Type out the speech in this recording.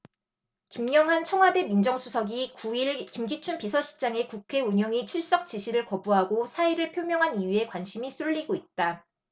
김영한 청와대 민정수석이 구 일 김기춘 비서실장의 국회 운영위 출석 지시를 거부하고 사의를 표명한 이유에 관심이 쏠리고 있다